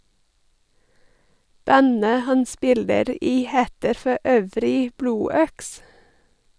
Bandet han spiller i heter for øvrig Blodøks.